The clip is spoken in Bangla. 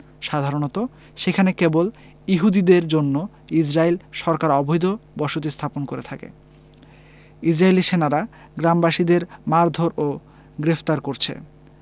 সাধারণত সেখানে কেবল ইহুদিদের জন্য ইসরাইল সরকার অবৈধ বসতি স্থাপন করে থাকে ইসরাইলী সেনারা গ্রামবাসীদের মারধোর ও গ্রেফতার করছে